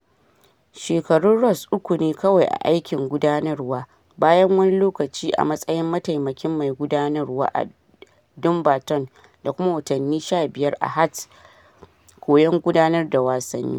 Shekarun Ross uku ne kawai a aikin gudanarwa, bayan wani lokaci a matsayin mataimakin mai gudanarwa a Dumbarton da kuma watanni 15 a Hearts 'koyon gudanar da wasanni.